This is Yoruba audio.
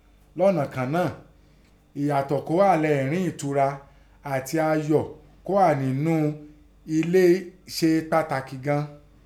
Lọ́nà kàn náà, ẹ̀yàtọ̀ kọ́ hà lẹ́ẹ̀ẹ́rín ẹ̀tura òun ayọ̀ kọ́ hà únnú ẹlé se pàtàkì gan an.